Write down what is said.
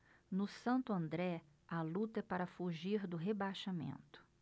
no santo andré a luta é para fugir do rebaixamento